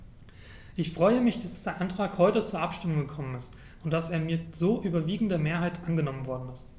Ich freue mich, dass der Antrag heute zur Abstimmung gekommen ist und dass er mit so überwiegender Mehrheit angenommen worden ist.